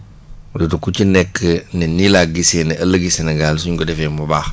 lu dul ku ci nekk ne nii laa gisee ne ëllëgu Sénégal suñ ko defee moo baax